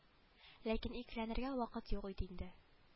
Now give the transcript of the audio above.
Ләкин икеләнергә вакыт юк иде инде